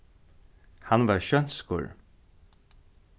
hann var sjónskur